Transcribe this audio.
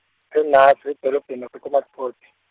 e- Naas edolobheni lase- Komatipoort.